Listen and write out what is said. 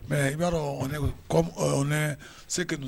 Mɛ i b'a dɔn ne se